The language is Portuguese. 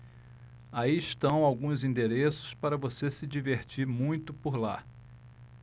aí estão alguns endereços para você se divertir muito por lá